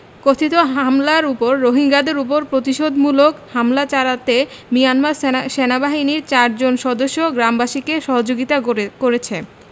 কথিত হামলার পর রোহিঙ্গাদের ওপর প্রতিশোধমূলক হামলা চালাতে মিয়ানমার সেনাবাহিনীর চারজন সদস্য গ্রামবাসীকে সহযোগিতা করেছে